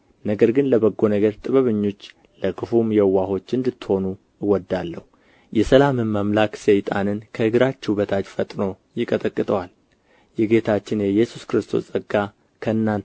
ነገር ግን ለበጎ ነገር ጥበበኞች ለክፉም የዋሆች እንድትሆኑ እወዳለሁ የሰላምም አምላክ ሰይጣንን ከእግራችሁ በታች ፈጥኖ ይቀጠቅጠዋል የጌታችን የኢየሱስ ክርስቶስ ጸጋ